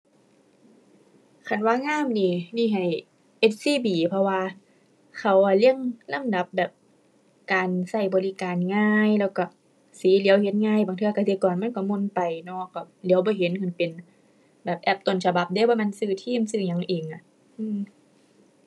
คันว่างามหนิ นี่ให้ SCB เพราะว่าเขาอะเรียงลำดับแบบ การใช้บริการง่าย แล้วใช้สีเหลียวเห็นง่าย บางเทื่อกสิกรมันใช้หม่นไปเนาะ ใช้เหลียวบ่เห็น คันเป็นแบบแอปต้นฉบับเดะ บ่แม่นซื้อทีมซื้อหยังเองอะ อือ